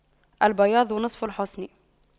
البياض نصف الحسن